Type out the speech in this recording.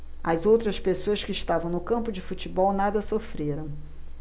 as outras pessoas que estavam no campo de futebol nada sofreram